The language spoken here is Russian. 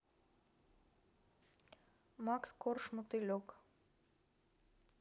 макс корж мотылек